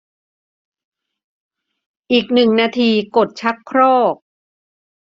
อีกหนึ่งนาทีกดชักโครก